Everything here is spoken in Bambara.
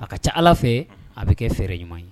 A ka ca ala fɛ a bɛ kɛ fɛ ɲuman ye